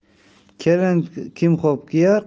kelin kimxob kiyar